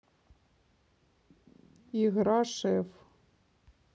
игра шеф